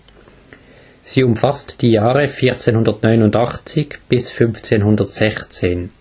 Sie umfasst die Jahre 1489-1516